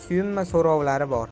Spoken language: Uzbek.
suyunma so'rovlari bor